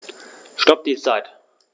Stopp die Zeit